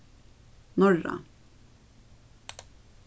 norra